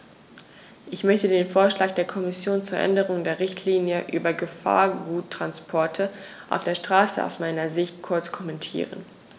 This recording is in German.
Ich möchte den Vorschlag der Kommission zur Änderung der Richtlinie über Gefahrguttransporte auf der Straße aus meiner Sicht kurz kommentieren.